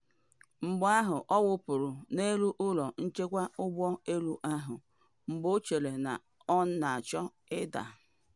Mgbe ahụ ọ wụpụrụ n’elu ụlọ njikwa ụgbọ elu ahụ mgbe ọ chere na ọ na achọ ịda.